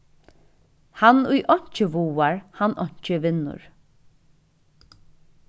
hann ið einki vágar hann einki vinnur